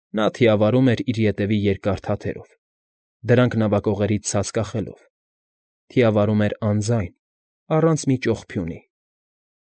Նա թիավարում էր իր ետևի երկար թաթերով, դրանք նավակողերից ցած կախելով, թիավարում էր անձայն, առանց մի ճողփյունի։